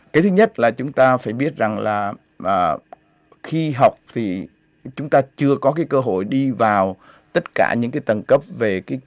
cái thứ nhất là chúng ta phải biết rằng là mờ khi học thì chúng ta chưa có cơ hội đi vào tất cả những cái đẳng cấp về cái